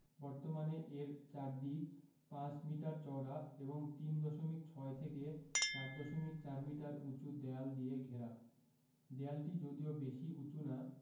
বর্তমানে এর চারদিক ৫ মিটার চওড়া এবং ৩ দশমিক ৬ থেকে ৪ দশমিক ৪ মিটার উঁচু দেয়াল দিয়ে ঘেরা দেয়ালটি যদিও বেশি উঁচু না